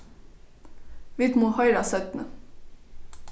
vit mugu hoyrast seinni